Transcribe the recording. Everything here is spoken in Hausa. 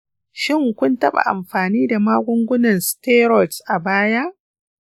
shin kun taɓa amfani da magungunan steroids a baya?